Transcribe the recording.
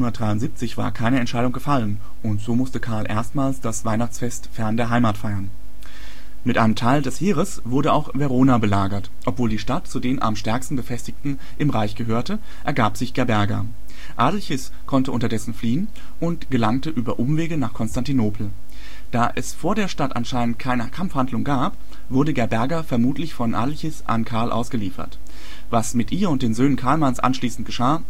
773 war keine Entscheidung gefallen, und so musste Karl erstmals das Weihnachtsfest fern der Heimat feiern. Mit einem Teil des Heeres wurde auch Verona belagert. Obwohl die Stadt zu den am stärksten befestigten im Reich gehörte, ergab sich Gerberga. Adelchis konnte unterdessen fliehen, und gelangte über Umwege nach Konstantinopel. Da es vor der Stadt anscheinend keine Kampfhandlung gab, wurde Gerberga vermutlich von Adelchis an Karl ausgeliefert. Was mit ihr und den Söhnen Karlmanns anschließend geschah